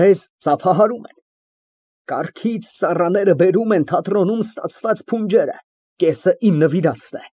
Մեզ ծափահարում են։ Կառքից ծառաները բերում են թատրոնում ստացված փունջերը ֊ կեսն իմ նվիրածն է։